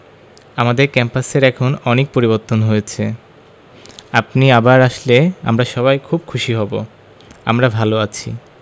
আমাদের ক্যাম্পাসের এখন অনেক পরিবর্তন হয়েছে আপনি আবার আসলে আমরা সবাই খুব খুশি হব আমরা ভালো আছি